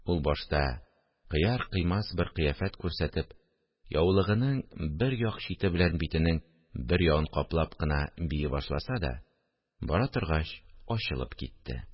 Ул башта кыяр-кыймас бер кыяфәт күрсәтеп, яулыгының бер як чите белән битенең бер ягын каплап кына бии башласа да, бара торгач ачылып китте